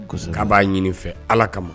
Kosi k'a b'a ɲini i fɛ allah kama!